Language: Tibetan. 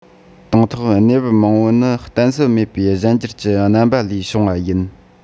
དང ཐོག གནས བབ མང པོའི ནང ནི གཏད སོ མེད པའི གཞན འགྱུར གྱི རྣམ པ ལས བྱུང བ ཡིན